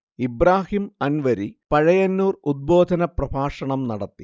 ഇബ്രാഹിം അൻവരി പഴയന്നൂർ ഉദ്ബോധന പ്രഭാഷണം നടത്തി